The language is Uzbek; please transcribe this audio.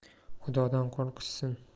xudodan qo'rqishsin